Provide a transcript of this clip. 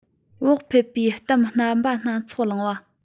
བག ཕེབས པའི གཏམ རྣམ པ སྣ ཚོགས གླེང བ